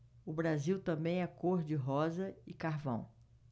o brasil também é cor de rosa e carvão